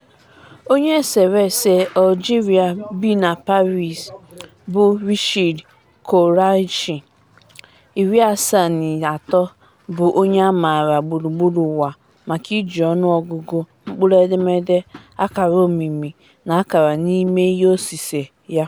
Onye eserese Algerịa bi na Paris bụ Rachid Koraichi, 73, bụ onye a maara gburugburu ụwa maka iji ọnụọgụgụ, mkpụrụedemede, akara omimi na akara n'ime ihe osise ya.